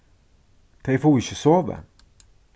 tey fáa ikki sovið